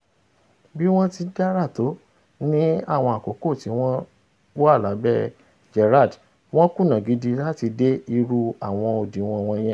Bí wọ́n ti dára tó ni àwọn àkókò tíwọ́n lábẹ́ Gerrard, wọ́n kùnà gidi láti dé irú àwọn òdiwọ̀n wọ̀nyẹn.